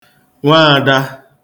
nwaādā